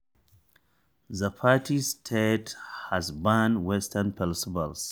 4. The party-state has banned Western festivals.